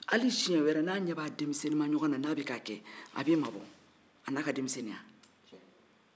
hali siɲɛ wɛrɛ n'a ɲɛ b'a denmiseni maɲɔgɔnw na k'a kɛ a b'i ma bɔ a n'a ka denmisenninya